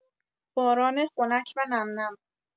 باران خنک و نم‌نم